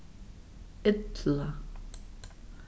illa